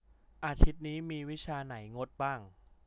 อาทิตย์นี้มีวิชาไหนงดบ้าง